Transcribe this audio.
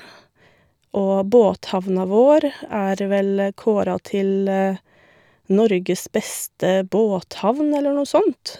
Og båthavna vår er vel kåra til Norges beste båthavn eller noe sånt.